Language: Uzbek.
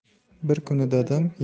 bir kuni dadam